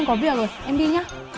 em có việc rồi em đi nhớ